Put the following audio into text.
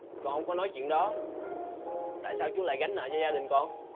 con không có nói chuyện đó tại sao chú lại gánh nợ cho gia đình con